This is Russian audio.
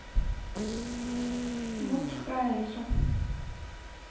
мультик про эльзу